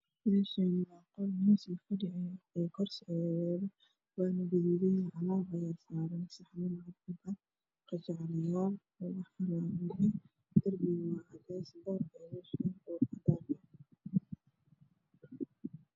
Meeshaani waa qol miis la dhigan waana guduud qajaar darbiga waa cadays boorkana cadaan yahay